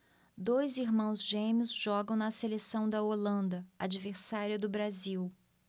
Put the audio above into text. dois irmãos gêmeos jogam na seleção da holanda adversária do brasil